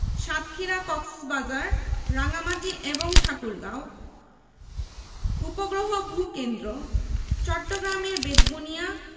ঢাকায় বুড়িগঙ্গা নদীর উপর চীন বাংলাদেশ মৈত্রী সেতু ১ ঢাকায় বুড়িগঙ্গা নদীর উপর চীন বাংলাদেশ মৈত্রী সেতু ২